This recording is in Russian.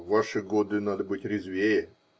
-- В ваши годы надо быть резвее.